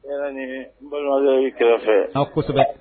Yɔrɔ nin n balimakɛ b'i kɛrɛfɛ aa kosɛbɛ